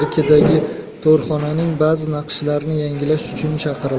arkidagi to'rxonaning bazi naqshlarini yangilash uchun chaqirildi